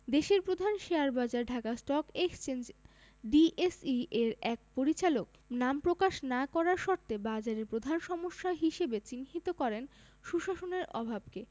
দেশের প্রধান শেয়ারবাজার ঢাকা স্টক এক্সচেঞ্জ ডিএসই এর এক পরিচালক নাম প্রকাশ না করার শর্তে বাজারের প্রধান সমস্যা হিসেবে চিহ্নিত করেন সুশাসনের অভাবকে